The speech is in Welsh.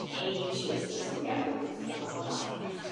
ages nes bo' fi'n gorfod delio efo honna.